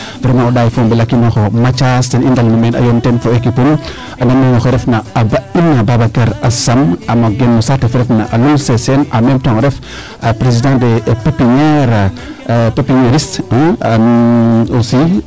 vraiment o ɗaay fo o mbelqinaxoo Mathiase ten i ndalnu meen a yoon teen fo equipe um a ba in Bbacar Assane a gon no saate fe ref na a Loul Sesene en meme temnps a ref president des pepiniere pepinieriste aussi